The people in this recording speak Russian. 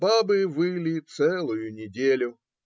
Бабы выли целую неделю.